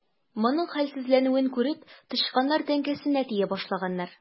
Моның хәлсезләнүен күреп, тычканнар теңкәсенә тия башлаганнар.